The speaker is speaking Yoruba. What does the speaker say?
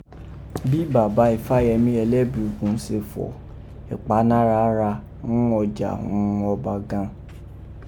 Bi baba Ifáyẹmi Ẹlẹbuibọn ṣe fọ̀, ipanara gha ghún ọjà òghun Ọba gan.